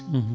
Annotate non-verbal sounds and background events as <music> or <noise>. <hesitation> <hesitation>